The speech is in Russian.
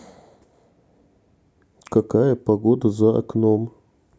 какая погода за окном